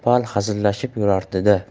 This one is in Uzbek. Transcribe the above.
pal hazillashib yurardida